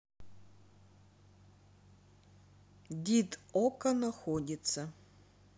dead okko находится